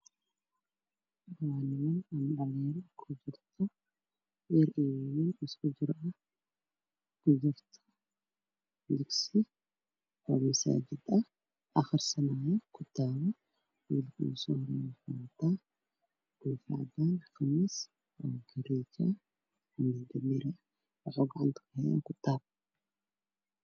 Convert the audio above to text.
Waa niman dhalinyaro ah oo yar iyo wayn ah, oo kujiro masaajid oo kutub aqrisanayo, wiilka ugu soo horeeyo waxuu wataa koofi cadaan ah iyo qamiis garee ah waxuu gacanta kuhayaa kitaab.